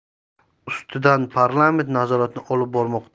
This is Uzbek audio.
ustidan parlament nazoratini olib bormoqda